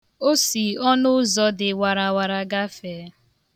O si ọnụụzọ dị warawara gafee.